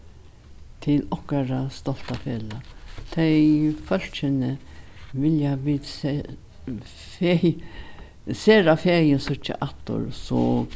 til okkara stolta felag tey fólkini vilja vit sera fegin síggja aftur so